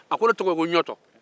a ko ne tɔgɔ ye ko ɲɔɔtɔ